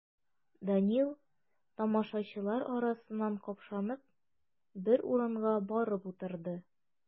Данил, тамашачылар арасыннан капшанып, бер урынга барып утырды.